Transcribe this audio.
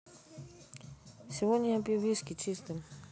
сегодня я пью виски чистым